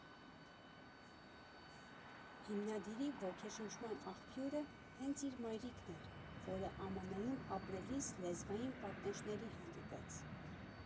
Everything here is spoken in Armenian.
Հիմնադիրի ոգեշնչման աղբյուրը հենց իր մայրիկն էր, որը ԱՄՆ֊ում ապրելիս լեզվային պատնեշների հանդիպեց։